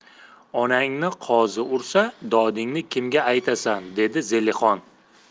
onangni qozi ursa dodingni kimga aytasan dedi zelixon